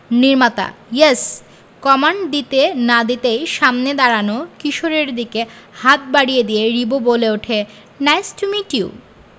নির্মাতা yes command দিতে না দিতেই সামনের দাঁড়ানো কিশোরের দিকে হাত বাড়িয়ে দিয়ে রিবো বলে উঠে নাইস টু মিট ইউ